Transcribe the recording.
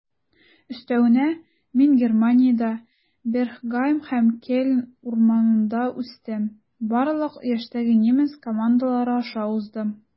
Өстәвенә, мин Германиядә, Бергхайм һәм Кельн урамнарында үстем, барлык яшьтәге немец командалары аша уздым.